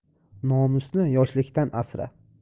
nomusni yoshlikdan asra